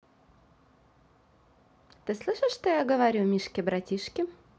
ты слышишь что я говорю мишки братишки